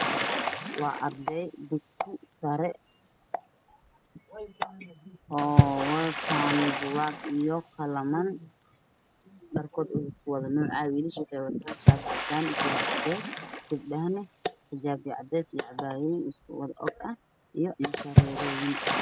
Waa arday dugsi sare oo wataan buugaag iyo qalimaan, wiilasha waxay wataan shaatiyo iyo surwaalo cadeys ah, gabadha waxay wataan xijaabo cadeys iyo indho shareer madow.